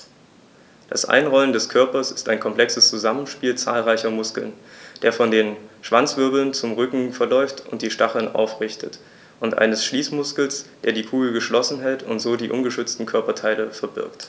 Das Einrollen des Körpers ist ein komplexes Zusammenspiel zahlreicher Muskeln, der von den Schwanzwirbeln zum Rücken verläuft und die Stacheln aufrichtet, und eines Schließmuskels, der die Kugel geschlossen hält und so die ungeschützten Körperteile verbirgt.